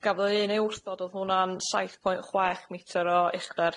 Gafodd un 'i wrthod, o'dd hwnna'n saith pwynt chwech metre o uchder.